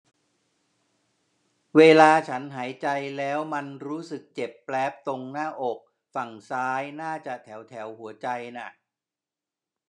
เวลาฉันหายใจแล้วมันรู้สึกเจ็บแปล๊บตรงหน้าอกฝั่งซ้ายน่าจะแถวแถวหัวใจน่ะ